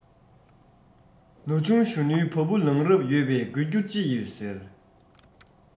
ན ཆུང གཞོན ནུའི བ སྤུ ལངས རབས ཡོད པས དགོད རྒྱུ ཅི ཡོད ཟེར